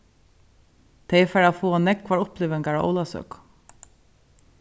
tey fara at fáa nógvar upplivingar á ólavsøku